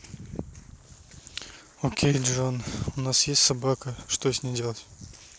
окей джой у нас есть собака что с ней делать